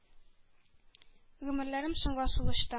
Гомерләрен соңгы сулышта